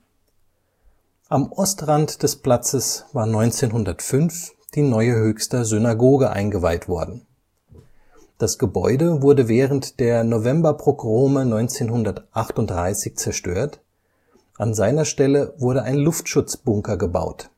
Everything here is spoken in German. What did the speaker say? Am Ostrand des Platzes war 1905 die neue Höchster Synagoge eingeweiht worden. Das Gebäude wurde während der Novemberpogrome 1938 zerstört, an seiner Stelle wurde ein Luftschutzbunker gebaut